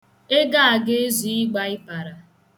Ego a ga-ezu ịgba ịpara.